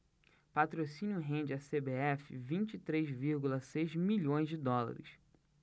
patrocínio rende à cbf vinte e três vírgula seis milhões de dólares